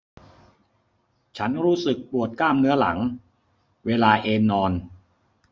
ฉันรู้สึกปวดกล้ามเนื้อหลังเวลาเอนนอน